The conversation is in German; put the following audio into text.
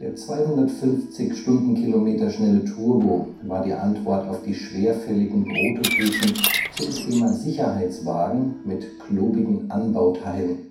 250 km/h schnelle Turbo war die Antwort auf die schwerfälligen Prototypen zum Thema Sicherheitswagen mit klobigen Anbauteilen